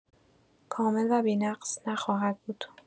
کامل و بی‌نقص نخواهد بود.